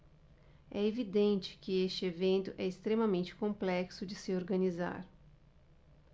é evidente que este evento é extremamente complexo de se organizar